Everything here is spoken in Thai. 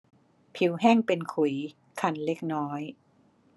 ผิวแห้งเป็นขุยคันเล็กน้อย